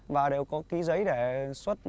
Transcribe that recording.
và đều có ký giấy để xuất